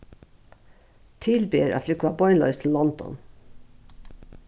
til ber at flúgva beinleiðis til london